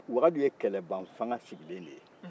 wagadu ye kɛlɛ ban fanga sigilen de ye